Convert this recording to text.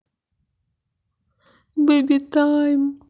бэби тайм